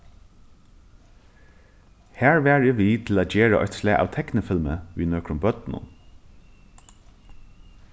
har var eg við til at gera eitt slag av teknifilmi við nøkrum børnum